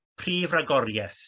prif ragorieth